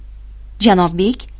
janob bek